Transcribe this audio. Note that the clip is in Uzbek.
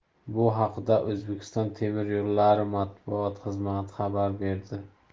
bu haqda o'zbekiston temir yo'llari matbuot xizmati xabar berdi